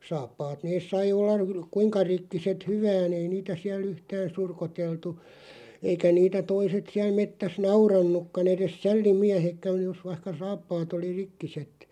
saappaat ne sai olla - kuinka rikkinäiset hyvänsä ei niitä siellä yhtään surkuteltu eikä niitä toiset siellä metsässä nauranutkaan edes sällimiehetkään jos vaikka saappaat oli rikkiset